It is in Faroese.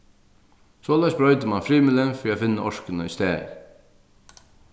soleiðis broytir mann frymilin fyri at finna orkuna í staðin